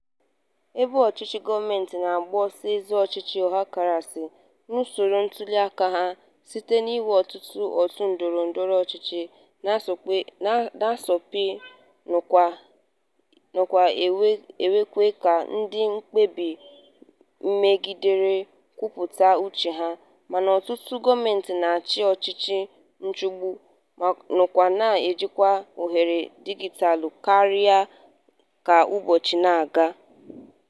Ebe ọtụtụ gọọmentị na-agbaso ezi ọchịchị ọhakarasị n'usoro ntuliaka ha site n'inwe ọtụtụ òtù ndọrọndọrọ ọchịchị na-asọmpi nakwa ikwe ka ndị mkpebi megidere kwupụta uche ha, mana ọtụtụ gọọmentị na-achị ọchịchị nchịgbu — nakwa na-ejikwa ohere dijitaalụ karịa ka ụbọchị na-aga.